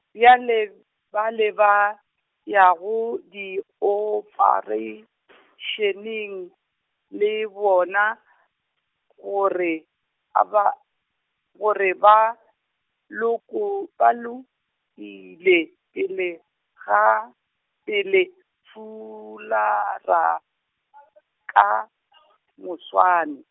bjale ba le ba, ya go diopareišeneng, le bona, gore a ba, gore ba loko-, ka lokile, pele ga, pele fulara, ka, moswane.